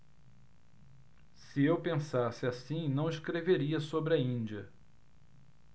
se eu pensasse assim não escreveria sobre a índia